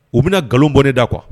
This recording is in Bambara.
O bina galon bɔ ne da quoi